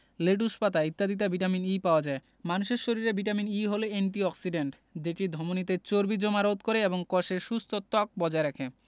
lettuce পাতা ইত্যাদিতে vitamin E পাওয়া যায় মানুষের শরীরে ভিটামিন E হলো এন্টি অক্সিডেন্ট যেটি ধমনিতে চর্বি জমা রোধ করে এবং কষের সুস্থ ত্বক বজায় রাখে